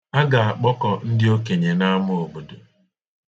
A ga-akpọkọ ndị okenye n'ama obodo.